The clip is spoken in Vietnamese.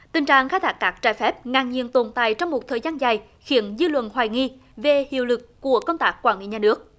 tình trạng khai thác cát trái phép ngang nhiên tồn tại trong một thời gian dài khiến dư luận hoài nghi về hiệu lực của công tác quản lý nhà nước